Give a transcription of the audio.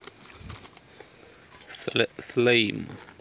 slame